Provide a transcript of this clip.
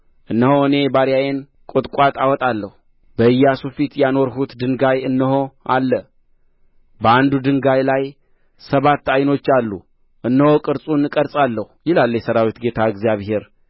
እነሆ እኔ ባሪያዬን ቍጥቋጥ አወጣለሁ በኢያሱ ፊት ያኖርሁት ድንጋይ እነሆ አለ በአንዱ ድንጋይ ላይ ሰባት ዓይኖች አሉ እነሆ ቅርጹን እቀርጻለሁ ይላል የሠራዊት ጌታ እግዚአብሔር